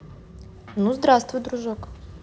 ну здравствуй дружок